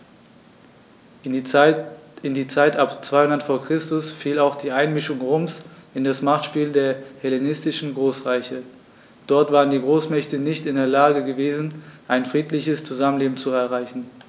In die Zeit ab 200 v. Chr. fiel auch die Einmischung Roms in das Machtspiel der hellenistischen Großreiche: Dort waren die Großmächte nicht in der Lage gewesen, ein friedliches Zusammenleben zu erreichen.